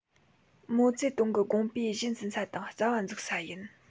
མའོ ཙེ ཏུང གི དགོངས པའི གཞི འཛིན ས དང རྩ བ འཛུགས ས ཡིན